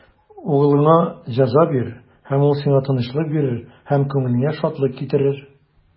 Углыңа җәза бир, һәм ул сиңа тынычлык бирер, һәм күңелеңә шатлык китерер.